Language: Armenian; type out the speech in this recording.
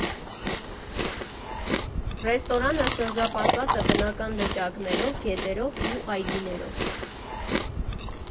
Ռեստորանը շրջապատված է բնական լճակներով, գետերով ու այգիներով։